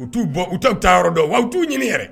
U t'u u t' u taa yɔrɔ dɔn aw t'u ɲini yɛrɛ